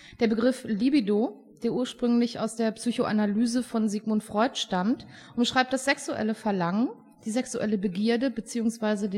Der Begriff „ Libido “, der ursprünglich aus der Psychoanalyse von Sigmund Freud stammt, umschreibt das sexuelle Verlangen, die sexuelle Begierde bzw.